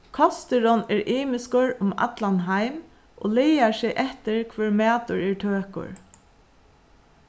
kosturin er ymiskur um allan heim og lagar seg eftir hvør matur er tøkur